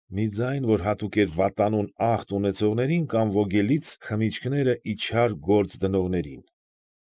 Մի ձայն, որ հատուկ էր վատանուն ախտ ունեցողներին կամ ոգելից ըմպելիքները ի չար գործ դնողներին։